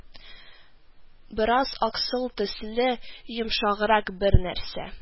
Бераз аксыл төсле, йомшаграк бер нәрсә